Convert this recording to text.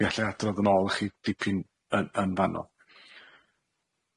Fi allai adrodd yn ôl i chi dipyn yn yn fanno.